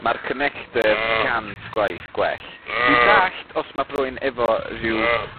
ma'r connectyr cant gwaith gwell. Dwi'n dallt os mai b- rywyn efo ryw